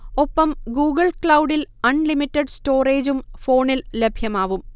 ഒപ്പം ഗൂഗിൾ ക്ലൗഡിൽ അൺലിമിറ്റഡ് സ്റ്റോറേജും ഫോണിൽ ലഭ്യമാവും